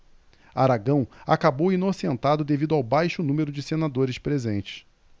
aragão acabou inocentado devido ao baixo número de senadores presentes